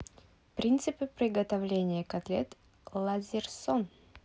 принципы приготовления котлет лазерсон